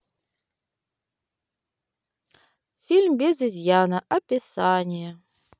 фильм без изъяна описание